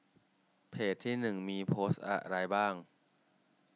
เพจที่หนึ่งมีโพสต์อะไรบ้าง